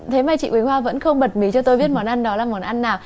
thế mà chị hoa vẫn không bật mí cho tôi biết món ăn đó là món ăn nào